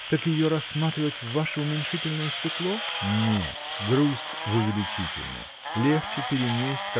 – так ее рассматривать в ваше уменьшительное стекло? – Нет, грусть в увеличительное легче перенесть